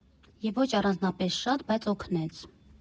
Եվ ոչ առանձնապես շատ, բայց օգնեց։